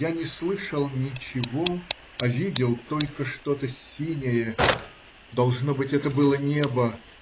Я не слышал ничего, а видел только что-то синее; должно быть, это было небо.